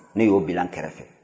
ne y'o bila n kɛrɛ fɛ